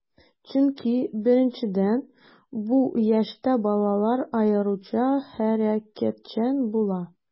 Чөнки, беренчедән, бу яшьтә балалар аеруча хәрәкәтчән була.